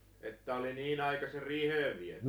että oli niin aikaisin riiheen viety